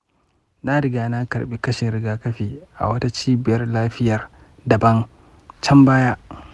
na riga na karɓi kashin rigakafi a wata cibiyar lafiyar daban can baya.